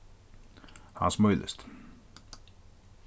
hann smílist